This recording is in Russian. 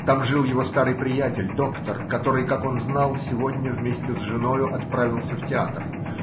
Там жил его старый приятель, доктор, который, как он знал, сегодня вместе с женою отправился в театр.